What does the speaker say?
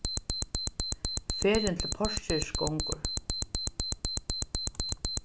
ferðin til porkeris gongur